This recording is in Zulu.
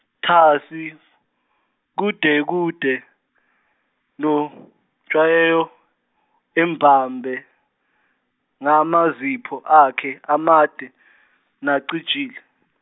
thasi kudekude noTajewo embambe ngamazipho akhe amade nacijile.